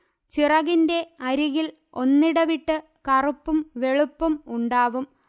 ചിറകിന്റെ അരികിൽ ഒന്നിടവിട്ട് കറുപ്പും വെളുപ്പും ഉണ്ടാവും